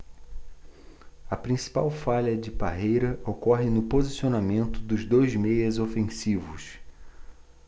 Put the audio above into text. a principal falha de parreira ocorre no posicionamento dos dois meias ofensivos